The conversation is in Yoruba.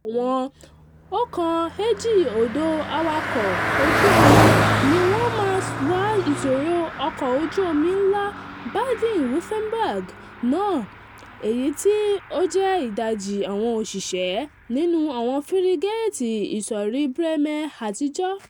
Àìpé sọ́fùtiwìà jẹ́ ohún tí ó ṣe pàtàkì gan nítorí awọn 120 awakọ̀ ojú omi ni wọ́n máa wa ìsọ̀rí ọkọ̀ ojú omi ńlá Baden-Wuerttemberg-class náà - èyí tí ó jẹ́ ìdájí àwọn òṣìṣẹ́ nínú àwọn fírígéètì ìsọ̀rí Bremen àtijọ́.